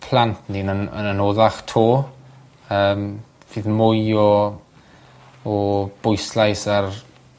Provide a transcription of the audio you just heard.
plant ni'n an- yn anoddach 'to. Yym fydd mwy o o bwyslais ar